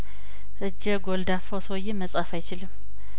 እጀጐልዳፋው ሰውዬ መጻፍ አይችልም